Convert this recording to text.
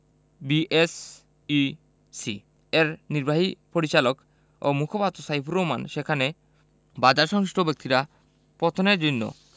BSEC এর নির্বাহী পরিচালক ও মুখপাত্র সাইফুর রহমান সেখানে বাজারসংশ্লিষ্ট ব্যক্তিরা পতনের জন্য